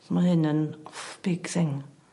Ma' hyn yn big thing.